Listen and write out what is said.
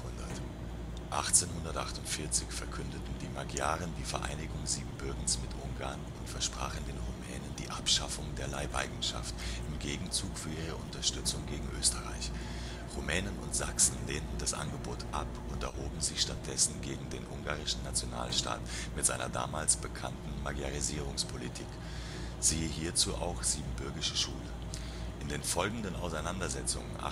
1848 verkündeten die Magyaren die Vereinigung Siebenbürgens mit Ungarn und versprachen den Rumänen die Abschaffung der Leibeigenschaft im Gegenzug für ihre Unterstützung gegen Österreich. Rumänen und Sachsen lehnten das Angebot ab und erhoben sich stattdessen gegen den ungarischen Nationalstaat mit seiner damals bekannten Magyarisierungspolitik (siehe hierzu auch Siebenbürgische Schule). In den folgenden Auseinandersetzungen